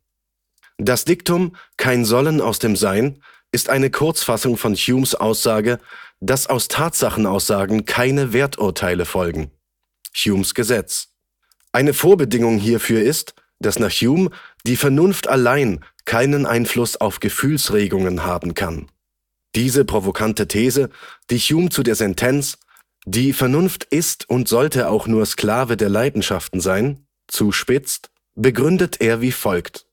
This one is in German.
Das Diktum „ Kein Sollen aus dem Sein “ist eine Kurzfassung von Humes Aussage, dass aus Tatsachenaussagen keine Werturteile folgen (Humes Gesetz). Eine Vorbedingung hierfür ist, dass nach Hume die Vernunft allein keinen Einfluss auf Gefühlsregungen (passions) haben kann. Diese provokante These, die Hume zu der Sentenz " Reason is and ought only to be the slave of the passions "(„ Die Vernunft ist und sollte auch nur Sklave der Leidenschaften sein “) zuspitzt, begründet er wie folgt